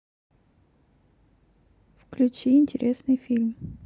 включи интересный фильм